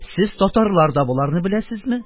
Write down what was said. Сез татарлар да боларны беләсезме?